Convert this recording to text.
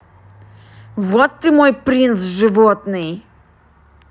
вот ты мой принц животный